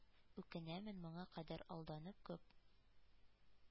Үкенәмен моңа кадәр алданып, күп